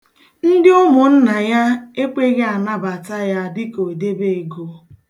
Ndị ụmụnna ya ekweghị anabata ya dịka odebeego.